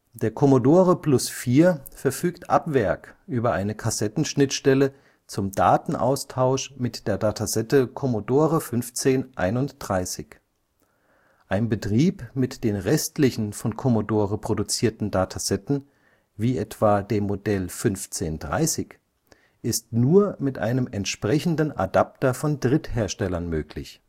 Der Commodore Plus/4 verfügt ab Werk über eine Kassettenschnittstelle zum Datenaustausch mit der Datasette Commodore 1531. Ein Betrieb mit den restlichen von Commodore produzierten Datasetten wie etwa dem Modell 1530 ist nur mit einem entsprechenden Adapter von Drittherstellern möglich